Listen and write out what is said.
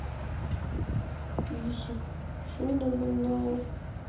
izi чудо больная